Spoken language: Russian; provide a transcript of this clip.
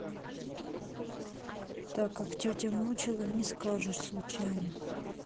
так как тетя мучила не скажешь случайно